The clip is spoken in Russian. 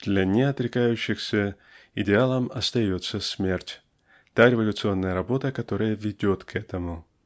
Для неотрекающихся идеалом остается -- смерть та революционная работа которая ведет к этому.